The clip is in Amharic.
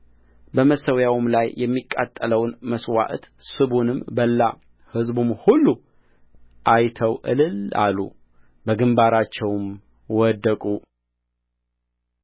በመሠዊያውም ላይ የሚቃጠለውን መሥዋዕት ስቡንም በላ ሕዝቡም ሁሉ አይተው እልል አሉ በግምባራቸውም ወደቁ